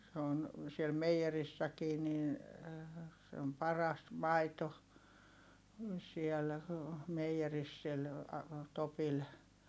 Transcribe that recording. se on siellä meijerissäkin niin se on paras maito siellä meijerissä sillä Topilla